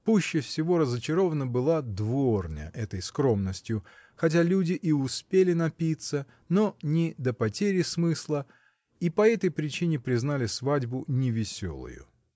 Пуще всего разочарована была дворня этой скромностью, хотя люди и успели напиться, но не до потери смысла, и по этой причине признали свадьбу невеселою.